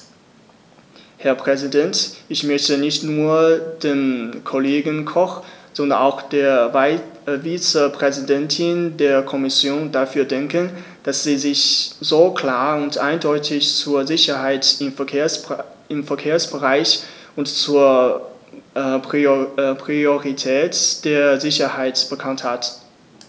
Herr Präsident, ich möchte nicht nur dem Kollegen Koch, sondern auch der Vizepräsidentin der Kommission dafür danken, dass sie sich so klar und eindeutig zur Sicherheit im Verkehrsbereich und zur Priorität der Sicherheit bekannt hat.